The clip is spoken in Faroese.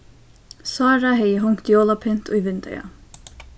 sára hevði hongt jólapynt í vindeygað